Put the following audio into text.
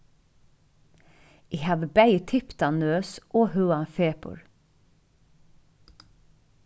eg havi bæði tipta nøs og høgan fepur